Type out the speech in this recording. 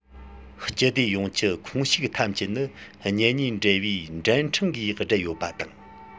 སྤྱི སྡེ ཡོངས ཀྱི ཁོངས ཞུགས ཐམས ཅད ནི གཉེན ཉེའི འབྲེལ བའི འབྲེལ ཕྲེང གིས སྦྲེལ ཡོད པ དང